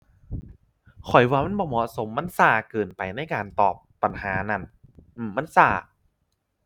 ข้อยว่ามันบ่เหมาะสม มันช้าเกินไปในการตอบปัญหานั้น อืม มันช้า